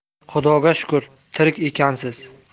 xudoga shukur tirik ekansiz